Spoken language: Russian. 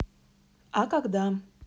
а когда